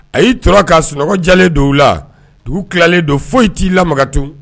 A y'i tora'a sunɔgɔjalen don la dugu tilalen don foyisi t'i lama tun